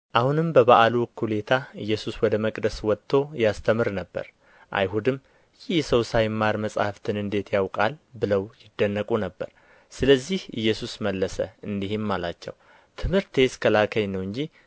አሁንም በበዓሉ እኩሌታ ኢየሱስ ወደ መቅደስ ወጥቶ ያስተምር ነበር አይሁድም ይህ ሰው ሳይማር መጻሕፍትን እንዴት ያውቃል ብለው ይደነቁ ነበር ስለዚህ ኢየሱስ መለሰ እንዲህም አላቸው ትምህርቴስ ከላከኝ ነው እንጂ